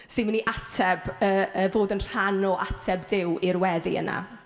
sy'n mynd i ateb y y bod yn rhan o ateb Duw i'r weddi yna.